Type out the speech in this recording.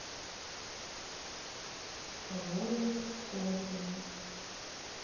погода в колпино